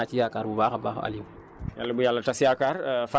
waaw ci samab gis-gis man am naa ci yaakaar bu baax a baax Aliou